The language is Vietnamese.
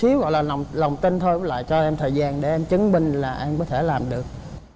xíu gọi là lòng lòng tin thôi dới lại cho em thời gian để em chứng minh là em có thể làm được